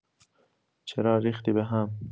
چرا ریختی بهم؟